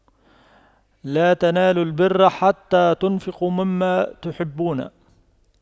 لَن تَنَالُواْ البِرَّ حَتَّى تُنفِقُواْ مِمَّا تُحِبُّونَ